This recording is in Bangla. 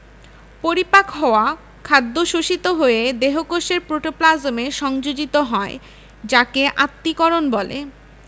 পরিপাক হওয়া খাদ্য শোষিত হয়ে দেহকোষের প্রোটোপ্লাজমে সংযোজিত হয় যাকে আত্তীকরণ বলে